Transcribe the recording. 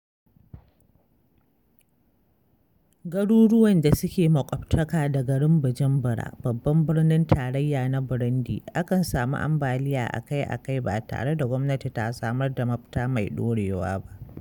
Garuruwan da suke makwabtaka da garin Bujumbura, babban birinin tarayya na Burundi, akan samu ambaliya a-kai-a-kai ba tare da gwamnati ta samar da mafita mai ɗorewa ba.